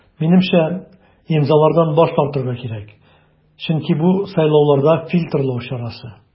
Минемчә, имзалардан баш тартырга кирәк, чөнки бу сайлауларда фильтрлау чарасы.